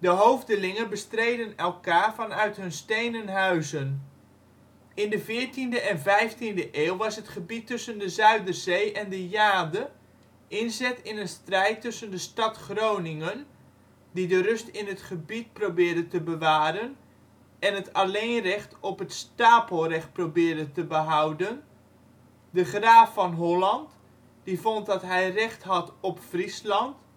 hoofdelingen bestreden elkaar vanuit hun stenen huizen. In de 14e en 15e eeuw was het gebied tussen de Zuiderzee en de Jade inzet in een strijd tussen de stad Groningen, die de rust in het gebied probeerde te bewaren en het alleenrecht op het stapelrecht probeerde te behouden; de graaf van Holland, die vond dat hij recht had op Friesland